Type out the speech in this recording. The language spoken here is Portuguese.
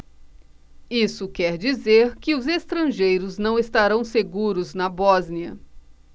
isso quer dizer que os estrangeiros não estarão seguros na bósnia